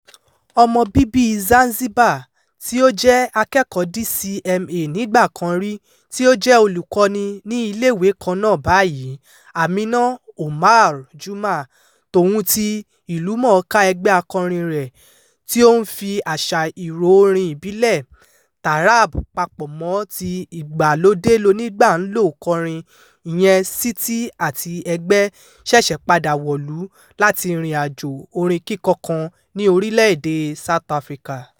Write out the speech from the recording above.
Ọmọ bíbíi Zanzibar, tí ó jẹ́ akẹ́kọ̀ọ́ọ DCMA nígbà kan rí, tí ó jẹ́ olùkọ́ni ní iléèwé kan náà báyìí, Amina Omar Juma tòun ti ìlú mọ̀ọ́ká ẹgbẹ́ akọrin rẹ̀, tí ó ń "fi àṣà ìró orin ìbílẹ̀ " taarab papọ̀ mọ́ ti ìgbàlódélonígbàńlò kọrin, ìyẹn "Siti àti Ẹgbẹ́ ", ṣẹ̀ṣẹ̀ padà wọ̀lú láti ìrìnàjò orin kíkọ kan ní orílẹ̀-èdèe South Africa.